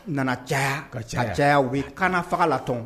Nana caya ka ca caya u bɛ kaana faga la tɔn